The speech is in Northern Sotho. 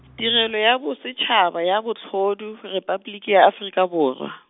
tirelo ya Bosetšhaba, ya Bohlodi, Repabliki ya Afrika Borwa.